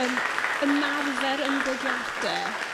yrm ymarfer ymddygiade